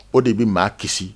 O de bi maa kisi